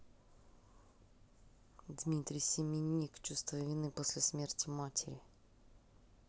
дмитрий семенник чувство вины после смерти матери